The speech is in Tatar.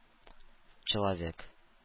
Человек